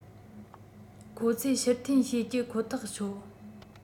ཁོ ཚོས ཕྱིར འཐེན བྱེད ཀྱི ཁོ ཐག ཆོད